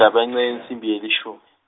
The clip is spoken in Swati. insimbi lishumi.